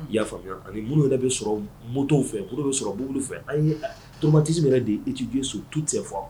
I y'a faamuya ani minnu yɛrɛ bɛ sɔrɔ mo fɛ olu bɛ sɔrɔ bbili fɛ ayi toonmatisi yɛrɛ de e tɛ jo so tu tɛ fɔ